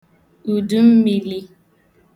ùdummīlī